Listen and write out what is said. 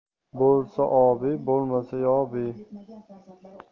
bo'lsa obi bo'lmasa yobi